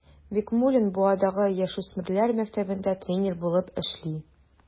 Бикмуллин Буадагы яшүсмерләр мәктәбендә тренер булып эшли.